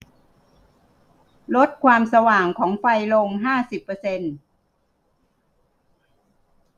ลดความสว่างของไฟลงห้าสิบเปอร์เซ็นต์